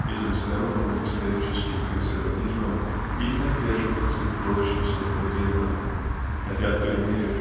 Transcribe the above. этим здоровым историческим консерватизмом и поддерживается прочность этого дерева хотя в той мере